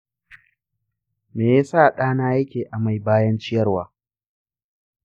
meyasa ɗa na yake amai bayan ciyarwa?